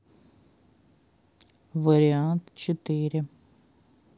вариант четыре